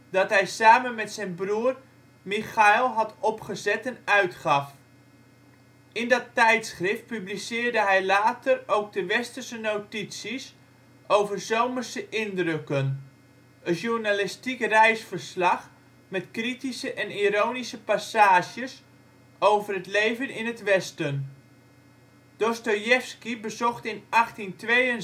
dat hij samen met zijn broer Michail had opgezet en uitgaf. In dat tijdschrift publiceerde hij later ook de Winterse notities over zomerse indrukken, een journalistiek reisverslag met kritische en ironische passages over het leven in het Westen. Dostojevski bezocht in 1862